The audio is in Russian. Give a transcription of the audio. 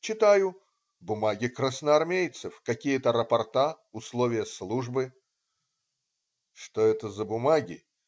Читаю - бумаги красноармейцев, какие-то рапорта, условия службы. "Что это за бумаги?